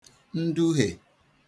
nduhè